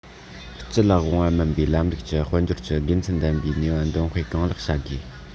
སྤྱི ལ དབང བ མིན པའི ལམ ལུགས ཀྱི དཔལ འབྱོར གྱི དགེ མཚན ལྡན པའི ནུས པ འདོན སྤེལ གང ལེགས བྱ དགོས